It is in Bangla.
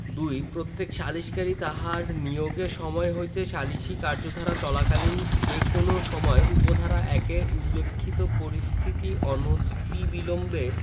২ প্রত্যেক সালিসকারী তাহার নিয়োগের সময় হইতে সালিসী কার্যধারা চলাকালীন যে কোন সময় উপ ধারা ১ এ উল্লেখিত পরিস্থিতি অনতিবিলম্বে